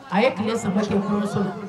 A ye tile saba sen furuso